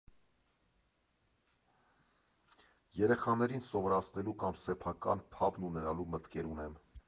Երեխաներին սովորացնելու կամ սեփական փաբն ունենալու մտքեր ունեմ։